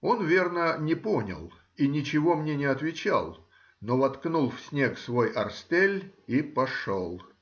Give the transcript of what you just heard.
Он, верно, не понял и ничего мне не отвечал, но воткнул в снег свой орстель и пошел.